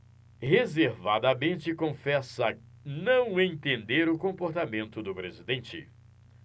reservadamente confessa não entender o comportamento do presidente